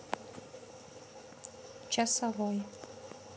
часовой